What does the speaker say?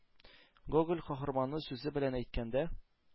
Гоголь каһарманы сүзе белән әйткәндә,